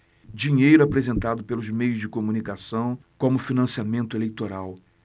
dinheiro apresentado pelos meios de comunicação como financiamento eleitoral